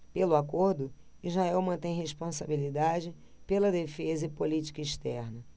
pelo acordo israel mantém responsabilidade pela defesa e política externa